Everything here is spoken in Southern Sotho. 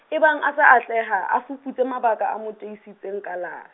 ebang a sa atleha, a fuputse mabaka a mo teisitseng kalala.